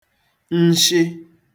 nshị